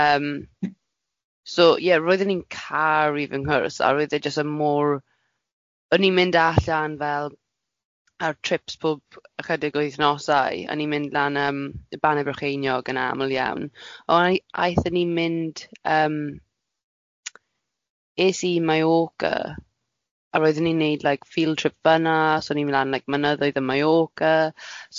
Yym so ie roeddwn i'n caru fy nghwrs, a roedd e jyst yn mor, o'n i'n mynd allan fel ar trips pob ychydig o wythnosau, o'n i'n mynd lan yym Bannau Brycheiniog yn aml iawn, a o'n i aethon ni'n mynd yym, es i Mallorca, a roeddwn i'n wneud like field trip fan'na, so o'n i'n mynd lan like mynyddoedd yn Mallorca.